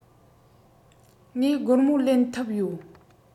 ངས སྒོར མོ ལེན ཐུབ ཡོད